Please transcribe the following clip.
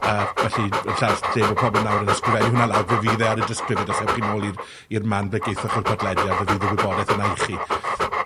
Yy felly yn llall- lle bod pobol nawr yn ysgrifennu hwnna lawr, fe fydd e ar y disgrifiad, os ewch chi nôl i'r i'r man ble gethoch chi'r podlediad, fe fydd y wybodaeth yna i chi.